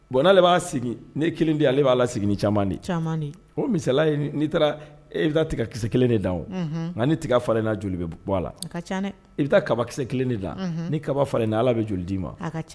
Bon'ale de b'a ni kelen di ale b'a la ni ca di o misala n'i taara i bɛ tigɛ ki kelen de da o nka ni tiga fa' joli bɛ bɔ la ca i bɛ taa kaba ki kelen de da ni kaba falen ala bɛ joli d dii ma